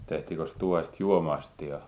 tehtiinkös tuohesta juoma-astiaa